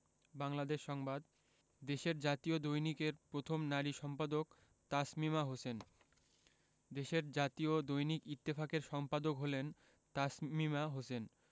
বাংলাদেশ সংবাদ দেশের জাতীয় দৈনিকের প্রথম নারী সম্পাদক তাসমিমা হোসেন দেশের জাতীয় দৈনিক ইত্তেফাকের সম্পাদক হলেন তাসমিমা হোসেন